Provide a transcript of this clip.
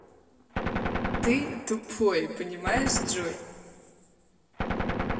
ты тупой понимаешь джой